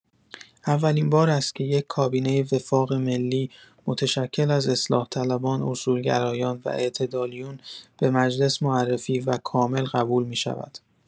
اولین بار است که یک کابینه «وفاق ملی» متشکل از اصلاح‌طلبان، اصولگرایان و اعتدالیون به مجلس معرفی و کامل قبول می‌شود.